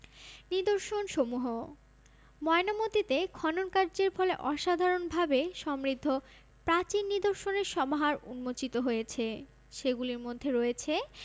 নিদর্শনসমূহ ময়নামতীতে খননকার্যের ফলে অসাধারণভাবে সমৃদ্ধ প্রাচীন নিদর্শনের সমাহার উন্মোচিত হয়েছে সেগুলির মধ্যে রয়েছে